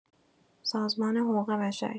سازمان حقوق بشری